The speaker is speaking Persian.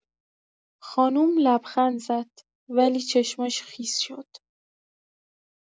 خانم لبخند زد، ولی چشماش خیس شد.